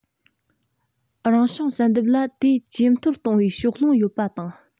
རང བྱུང བསལ འདེམས ལ དེ ཇེ མཐོར གཏོང བའི ཕྱོགས ལྷུང ཡོད པ དང